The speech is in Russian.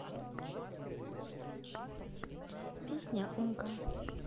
песня умка